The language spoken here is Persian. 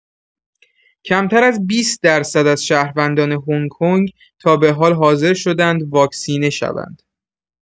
کمتر از ۲۰ درصد از شهروندان هنگ‌کنگ تا به حال حاضر شده‌اند واکسینه شوند.